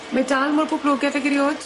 Mae dal mor boblogedd ag eriod?